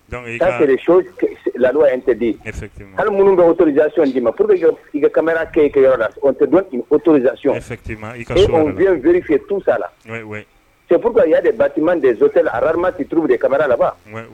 ' la tɛden hali minnu bɛ otocy' ma p i ka kamara ke kɛcɔn tusa lauru ya de bati dez tɛtiuru de kamara laban